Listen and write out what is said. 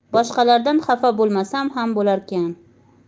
boshqalardan xafa bo'lmasam ham bo'larkan